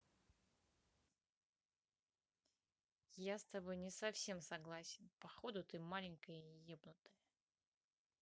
я с тобой не совсем согласен походу ты маленькая ебнутая